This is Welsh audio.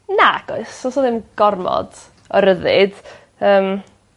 Nac oes so's 'a ddim gormod o ryddid yym.